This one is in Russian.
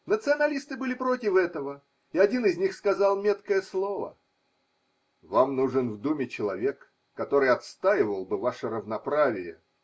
Националисты были против этого, и один из них сказал меткое слово: – Вам нужен в Думе человек, который отстаивал бы ваше равноправие.